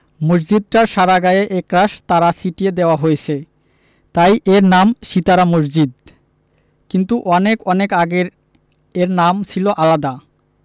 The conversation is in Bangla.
মসজিদটার সারা গায়ে একরাশ তারা ছিটিয়ে দেয়া হয়েছে তাই এর নাম সিতারা মসজিদ কিন্তু অনেক অনেক আগে এর নাম ছিল আলাদা